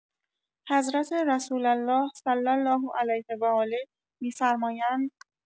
حضرت رسول‌الله صلی‌الله‌علیه‌وآله می‌فرمایند